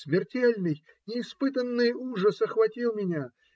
Смертельный, неиспытанный ужас охватил меня.